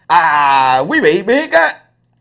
à quý vị biết á